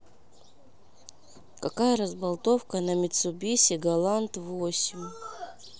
какая разболтовка на митсубиси галант восемь